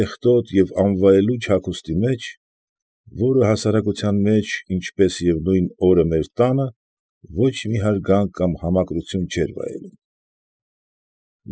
Կեղտոտ և անվայելուչ հագուստի մեջ, որը հասարակության մեջ, ինչպես և նույն օրը մեր տանը, ոչ մի հարգանք կամ համակրություն չէր վայելում։